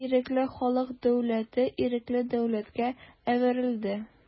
Ирекле халык дәүләте ирекле дәүләткә әверелде.